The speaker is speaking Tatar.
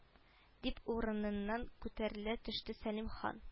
Дип урыныннан күтәрелә төште сәлим хан